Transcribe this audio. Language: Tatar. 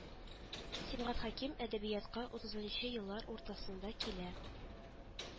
Сибгат Хәким әдәбиятка утызынчы еллар уртасында килә